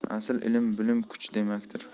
asl ilm bilim kuch demakdir